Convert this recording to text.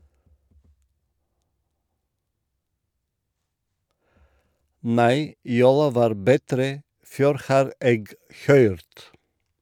Nei, jola var betre før har eg høyrt.